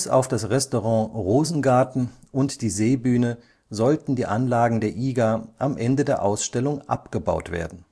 auf das Restaurant Rosengarten und die Seebühne sollten die Anlagen der IGA am Ende der Ausstellung abgebaut werden